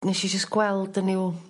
Nesh i jys gweld yn i'w